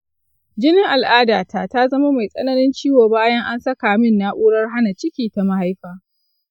jinin al'ada ta, ta zama mai tsananin ciwo bayan an saka min na’urar hana ciki ta mahaifa.